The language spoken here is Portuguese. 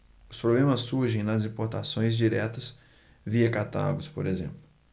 os problemas surgem nas importações diretas via catálogos por exemplo